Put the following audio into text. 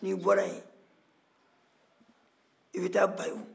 n'i bɔra yen i bɛ taa bayon